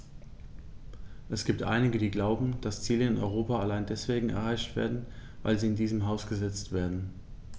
Es gibt einige, die glauben, dass Ziele in Europa allein deswegen erreicht werden, weil sie in diesem Haus gesetzt werden.